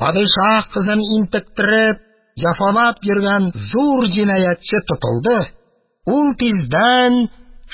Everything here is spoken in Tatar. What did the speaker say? «падишаһ кызын интектереп, җәфалап йөргән зур җинаятьче тотылды, ул тиздән